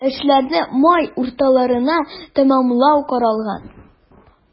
Эшләрне май урталарына тәмамлау каралган.